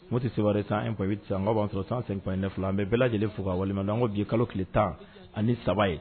Mo tɛ sere sanp i bɛ an' b'a sɔrɔ san san in ne fila an bɛ bɛɛ lajɛlen fo ka walima n ko bi kalo ki tan ani saba ye